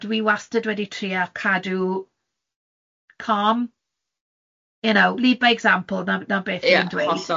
a dwi wastad wedi trio cadw, calm, y'know, lead by example 'na 'na beth dwi'n dweud.